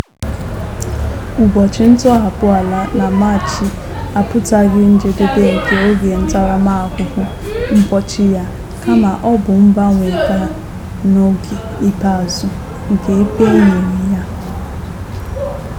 Ụbọchị ntọghapụ Alaa na Maachị apụtaghị njedebe nke oge ntaramahụhụ mkpọchi ya, kama ọ bụ mgbanwe gaa n'oge ikpeazụ nke ikpe e nyere ya.